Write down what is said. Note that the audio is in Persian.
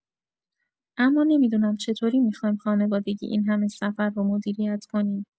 اما نمی‌دونم چطوری می‌خوایم خانوادگی این‌همه سفر رو مدیریت کنیم.